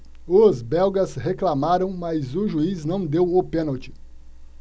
os belgas reclamaram mas o juiz não deu o pênalti